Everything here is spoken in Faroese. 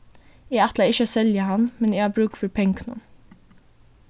eg ætlaði ikki selja hann men eg havi brúk fyri pengunum